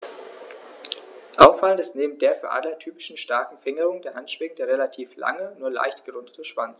Auffallend ist neben der für Adler typischen starken Fingerung der Handschwingen der relativ lange, nur leicht gerundete Schwanz.